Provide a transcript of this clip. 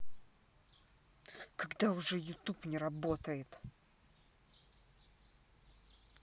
когда уже youtube не работает